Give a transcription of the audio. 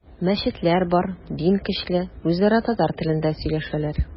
Мәчетләр бар, дин көчле, үзара татар телендә сөйләшәләр.